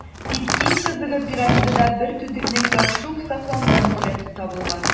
Тик иң кызыгы - пирамидада бер түтекнең яхшы ук сакланган сурəте табылган.